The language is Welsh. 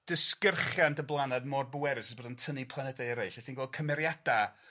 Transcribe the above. disgyrchiant y blaned mor bwerus fel bod o'n tynnu planedau eraill, a ti'n gweld cymeriada